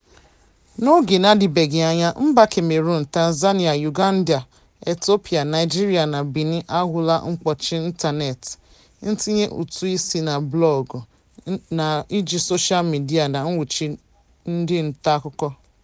N'oge n'adịbeghị anya, mba Cameroon, Tanzania, Uganda, Ethiopia, Naịjirịa, na Benin a hụla mkpọchi ịntaneetị, ntinye ụtụisi na blọọgụ na iji soshal midịa, na nwụchi ndị ntaakụkọ.